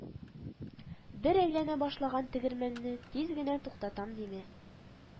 Бер әйләнә башлаган тегермәнне тиз генә туктатам димә